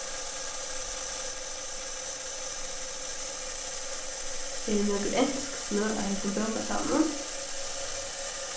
eru nøkur ensk bløð á hesum bókasavninum